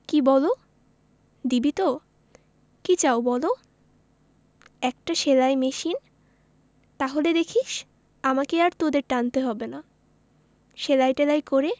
কি বলো দিবি তো কি চাও বলো একটা সেলাই মেশিন তাহলে দেখিস আমাকে আর তোদের টানতে হবে না সেলাই টেলাই করে